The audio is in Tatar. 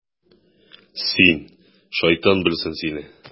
Син, шайтан белсен сине...